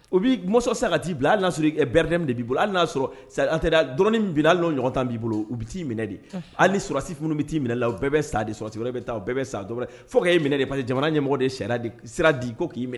U bɛ muso san ka'i bila hali'a bɛrɛda minɛ b' bolo hali'a sɔrɔ satɛda dɔnni bɛna ɲɔgɔn tan b'i bolo u bɛ t'i minɛ de hali sɔrɔsifunu bɛ' minɛ u bɛɛ bɛ sa de sɔwati wɛrɛ bɛ taa u bɛɛ bɛ sa fo ka ee minɛ de pa que jamana ɲɛmɔgɔ de sariya sira di ko k'i minɛ